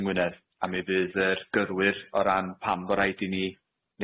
yng Ngwynedd a mi fydd yr gyrrwyr o ran pam bo raid i ni